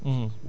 ok